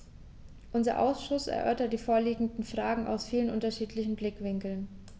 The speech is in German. Unser Ausschuss erörtert die vorliegenden Fragen aus vielen unterschiedlichen Blickwinkeln.